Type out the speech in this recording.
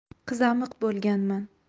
qizamiq bo'lganman